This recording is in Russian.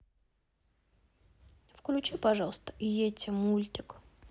включи пожалуйста йети мультик